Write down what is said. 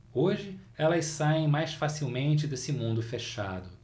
hoje elas saem mais facilmente desse mundo fechado